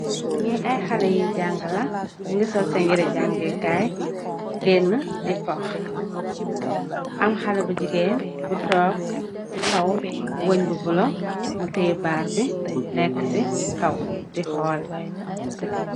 Ngi ay xalèh yi janga la, sol sèèn yirèh jan'ngeh kai gena di foh. Am xalèh bu gigeen bu tóóg ci kaw weñ bu bula mu teyeh barr bi nekka ci kaw di xooleh.